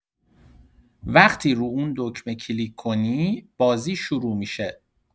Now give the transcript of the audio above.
وقتی رو اون دکمه کلیک کنی، بازی شروع می‌شه.